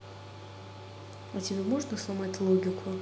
а тебе можно сломать логику